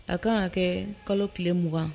A kan a kɛ kalo tile mugan